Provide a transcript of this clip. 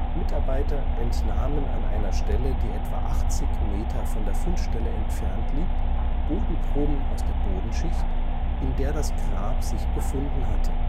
Mitarbeiter entnahmen an einer Stelle, die etwa 80 m von der Fundstelle entfernt liegt, Bodenproben aus der Bodenschicht, in der das Grab sich befunden hatte